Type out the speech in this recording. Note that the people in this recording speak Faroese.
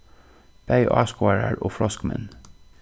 bæði áskoðarar og froskmenn